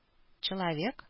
Человек